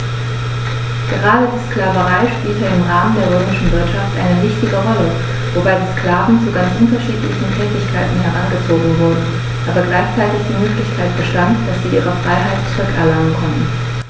Gerade die Sklaverei spielte im Rahmen der römischen Wirtschaft eine wichtige Rolle, wobei die Sklaven zu ganz unterschiedlichen Tätigkeiten herangezogen wurden, aber gleichzeitig die Möglichkeit bestand, dass sie ihre Freiheit zurück erlangen konnten.